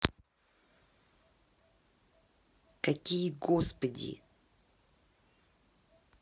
какие господи